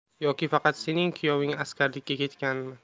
yoki faqat sening kuyoving askarlikka ketganmi